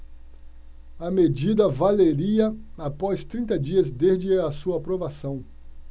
a medida valeria após trinta dias desde a sua aprovação